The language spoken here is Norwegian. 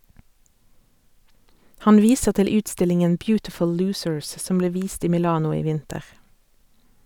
Han viser til utstillingen «Beautiful Loosers» som ble vist i Milano i vinter.